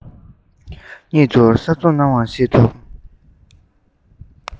ཉིད དུ གསར རྩོམ གནང བ ཤེས ཐུབ